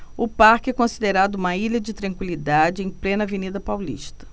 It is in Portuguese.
o parque é considerado uma ilha de tranquilidade em plena avenida paulista